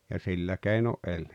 ja sillä keinoin eli